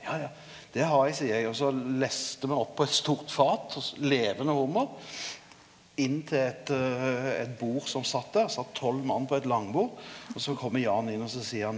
ja ja det har eg seier eg, og så leste me opp på eit stort fat og levande hummar inn til eit eit bord som satt der satt tolv mann på eit langbord og så kjem Jan inn også seier han.